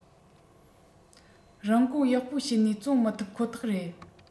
རིན གོང ཡག པོ བྱེད ནས བཙོང མི ཐུབ ཁོ ཐག རེད